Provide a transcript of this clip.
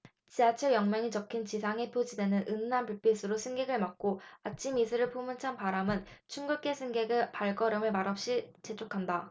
지하철 역명이 적힌 지상의 표지대는 은은한 불빛으로 승객을 맞고 아침 이슬을 품은 찬 바람은 출근길 승객의 발걸음을 말없이 재촉한다